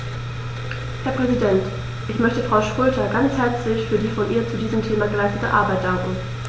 Herr Präsident, ich möchte Frau Schroedter ganz herzlich für die von ihr zu diesem Thema geleistete Arbeit danken.